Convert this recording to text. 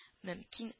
Мөмкин